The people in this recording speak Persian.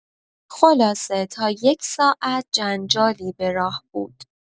خلاصه تا یک ساعت جنجالی به راه بود.